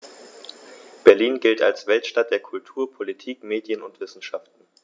Berlin gilt als Weltstadt der Kultur, Politik, Medien und Wissenschaften.